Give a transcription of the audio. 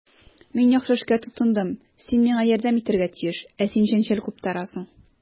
Мин яхшы эшкә тотындым, син миңа ярдәм итәргә тиеш, ә син җәнҗал куптарасың.